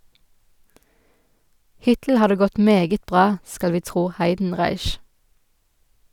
Hittil har det gått meget bra, skal vi tro Heidenreich.